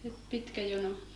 pitkä jono